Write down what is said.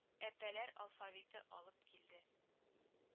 Пәләр алфавиты алып килде. —